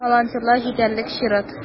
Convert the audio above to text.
Волонтерлар җитәрлек - чират.